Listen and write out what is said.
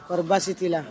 Kɔri baasi t'i la?